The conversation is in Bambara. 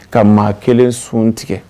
Ka maa 1 sun tigɛ